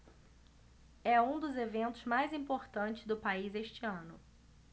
é um dos eventos mais importantes do país este ano